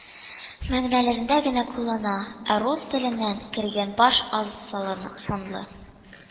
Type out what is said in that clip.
Мәгънәләрендә генә кулланыла, ә рус теленнән кергән баш аз санлы